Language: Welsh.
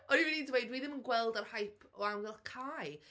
O'n i'n mynd i dweud, dwi ddim yn gweld yr hype o amgylch Kai.